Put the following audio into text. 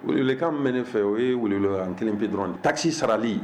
Welewelekan min bɛ ne fɛ o ye welewelekan kelen pe dɔrɔn de ye, taxe sarali.